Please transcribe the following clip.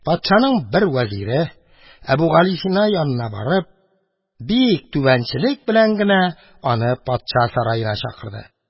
Патшаның бер вәзире, Әбүгалисина янына барып, бик түбәнчелек белән генә аны патша сараена чакырды.